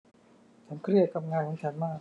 ฉันเครียดกับงานของฉันมาก